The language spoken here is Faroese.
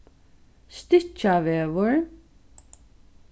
stykkjavegur